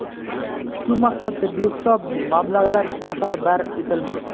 shu maqsadda behisob mablag lar safarbar etilmoqda